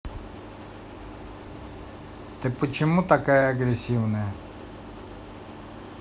ты почему такая агрессивная